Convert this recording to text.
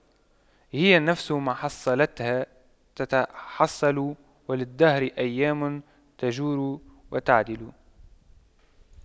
هي النفس ما حَمَّلْتَها تتحمل وللدهر أيام تجور وتَعْدِلُ